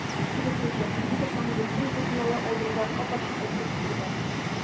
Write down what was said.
Киресенчә, Хафизовның медицина персоналы алдында ап-ачык әйткән сүзе бар.